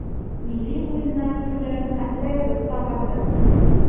Милли уеннар төрләрен хәтта язып та барды.